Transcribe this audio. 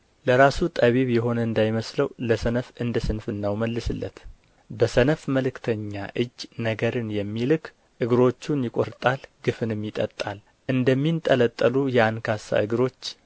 ለራሱ ጠቢብ የሆነ እንዳይመስለው ለሰነፍ እንደ ስንፍናው መልስለት በሰነፍ መልእክተኛ እጅ ነገርን የሚልክ እግሮቹን ይቈርጣል ግፍንም ይጠጣል እንደሚንጠለጠሉ የአንካሳ እግሮች